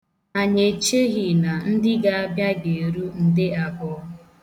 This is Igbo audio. Anyị echeghị na ndị ga-abịa ga-eru nde abụọ.